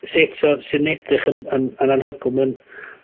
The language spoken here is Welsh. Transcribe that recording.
sut o sy'n edrych yn yn yn anhygol ma'n